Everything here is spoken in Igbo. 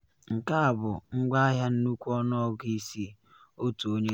Nke a bụ ngwaahịa nnukwu ọgụgụ isi,” otu onye dere.